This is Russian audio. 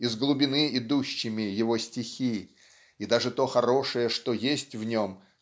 из глубины идущими его стихи и даже то хорошее что есть в нем